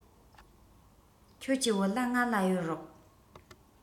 ཁྱོད ཀྱི བོད ལྭ ང ལ གཡོར རོགས